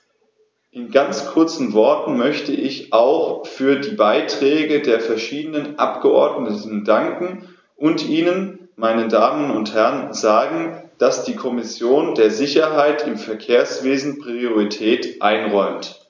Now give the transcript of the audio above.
In ganz kurzen Worten möchte ich auch für die Beiträge der verschiedenen Abgeordneten danken und Ihnen, meine Damen und Herren, sagen, dass die Kommission der Sicherheit im Verkehrswesen Priorität einräumt.